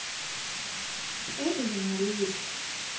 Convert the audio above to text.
это юморист